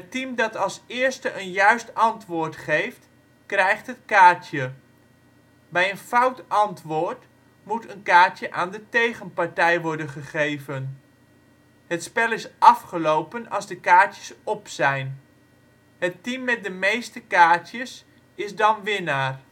team dat als eerste een juist antwoord geeft, krijgt het kaartje. Bij een fout antwoord moet een kaartje aan de tegenpartij worden gegeven. Het spel is afgelopen als de kaartjes op zijn. Het team met de meeste kaartjes is dan winnaar